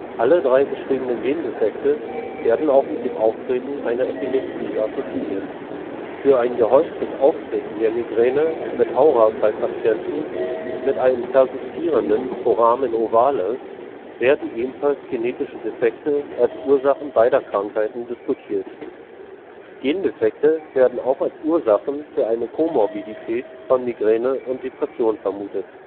Alle drei beschriebenen Gendefekte werden auch mit dem Auftreten einer Epilepsie assoziiert. Für ein gehäuftes Auftreten der Migräne mit Aura bei Patienten mit einem persistierenden Foramen Ovale werden ebenfalls genetische Defekte als Ursachen beider Krankheiten diskutiert. Gendefekte werden auch als Ursachen für eine Komorbidität von Migräne und Depression vermutet